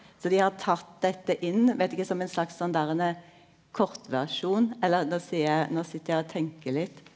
så dei har tatt dette inn veit ikkje som ein slags sånn derne kortversjon eller då seier eg nå sit eg å tenker litt.